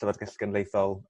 llyfyrgell genedlaethol